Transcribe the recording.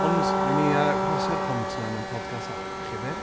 ond, wnawn ni, yy, groesio'r pont 'na mewn podcast arall ife?